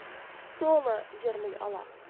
Соло җырлый ала.